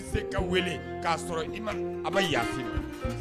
Se ka k' sɔrɔ i a bɛ yafa